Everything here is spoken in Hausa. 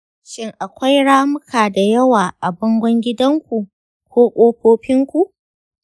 shin akwai ramuka da yawa a bangon gidanku ko ƙofofinku?